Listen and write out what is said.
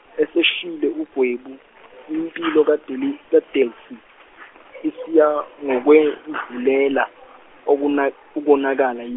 esefile uGwebu impilo kaDel- kaDelsie yaya ngokwedlulela okuna- ukonakala i-.